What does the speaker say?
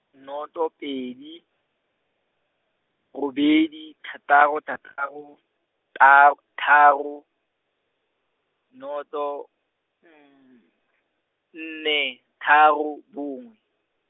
noto pedi, robedi thataro thataro, ta tharo, noto, nne, tharo, bongwe.